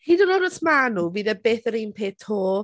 Hyd yn oed os maen nhw, fydd e byth yr un peth 'to.